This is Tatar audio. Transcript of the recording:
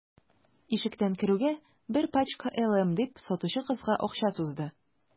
Ишектән керүгә: – Бер пачка «LM»,– дип, сатучы кызга акча сузды.